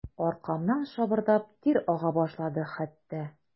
Аркамнан шабырдап тир ага башлады хәтта.